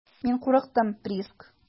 Мин курыктым, Приск.